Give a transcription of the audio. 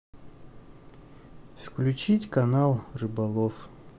включить канал рыболов